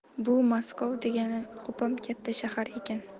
bu maskov degani xo'pam katta shahar ekan